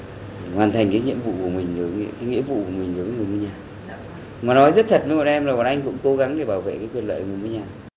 hoàn thành cái nhiệm vụ của mình ở huyện nghĩa vụ người những người mua nhà mà nói rất thật với bọn em bọn anh cũng cố gắng để bảo vệ cái quyền lợi của người mua nhà